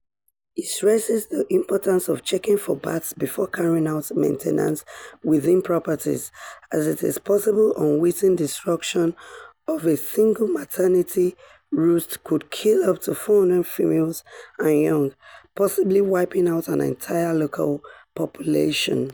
He stresses the importance of checking for bats before carrying out maintenance within properties as it is possible unwitting destruction of a single maternity roost could kill up to 400 females and young, possibly wiping out an entire local population.